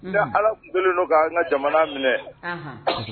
Nka ala tun kɛlen don' an ka jamana minɛ